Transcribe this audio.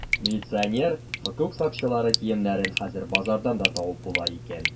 Милиционер, хокук сакчылары киемнәрен хәзер базардан да табып була икән.